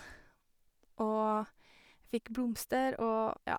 Og fikk blomster og, ja.